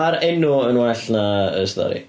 Ma'r enw yn well na y stori.